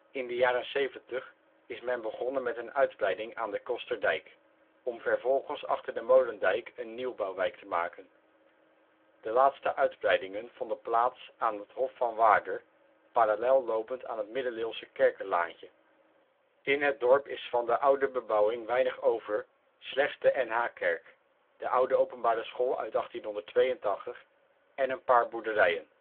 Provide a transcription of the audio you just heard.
In de jaren zeventig is men begonnen met een uitbreiding aan de Kosterdijk, om vervolgens achter de Molendijk een nieuwbouwwijk te maken. De laatste uitbreidingen vonden plaats aan Hof van Waarder, parallel lopend aan het middeleeuwse Kerkelaantje, en het Jenneke E. Bijlhof. In het dorp is van de oude bebouwing weinig over, slechts de N.H.-kerk, de oude openbare school (1882) en een paar boerderijen